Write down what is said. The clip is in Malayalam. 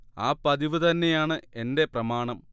ആ പതിവ് തന്നെയാണ് എന്റെ പ്രമാണം